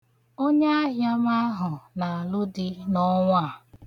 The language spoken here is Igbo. Onyeahịa m ahụ na-alụ di n'ọnwa a.